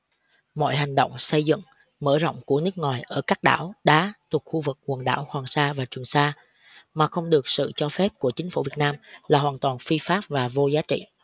mọi hành động xây dựng mở rộng của nước ngoài ở các đảo đá thuộc khu vực quần đảo hoàng sa và trường sa mà không được sự cho phép của chính phủ việt nam là hoàn toàn phi pháp và vô giá trị